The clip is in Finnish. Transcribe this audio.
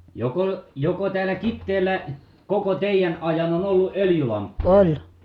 joko joko täällä Kiteellä koko teidän ajan on ollut öljylamppu